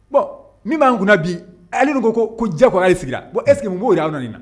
Bɔn min b'an kunna bi ale ko ko ko jago ayi sigira eseke' y' na